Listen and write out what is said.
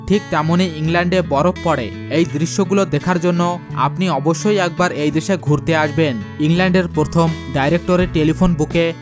ঠিক তেমনি ইংল্যান্ডে বরফ পরে দেখার জন্য এই দৃশ্যগুলো দেখার জন্য আপনি অবশ্যই একবার এই দেশে ঘুরতে আসবেন ইংল্যান্ডের প্রথম ডাইরেক্টর টেলিফোন বুকে